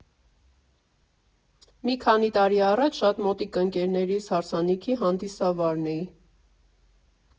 Մի քանի տարի առաջ շատ մոտիկ ընկերներիս հարսանիքի հանդիսավարն էի։